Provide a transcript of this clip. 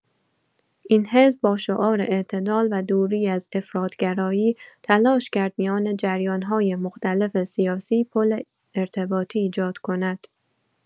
این حزب با شعار اعتدال و دوری از افراط‌گرایی، تلاش کرد میان جریان‌های مختلف سیاسی پل ارتباطی ایجاد کند.